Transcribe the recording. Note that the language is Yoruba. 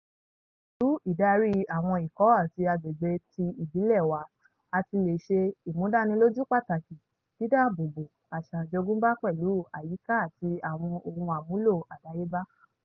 Pẹ̀lú ìdarí àwọn ikọ̀ àti agbègbè ti ìbílẹ̀ wa àti lè ṣe ìmúdánilójú pàtàkì dídáábòbò àṣà àjogúnbá pẹ̀lú àyíká àti àwọn ohun àmúlò àdáyébá.